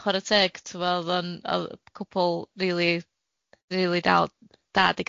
chwarae teg ti 'bod o'dd o'n o'dd cwpwl rili rili dal- da di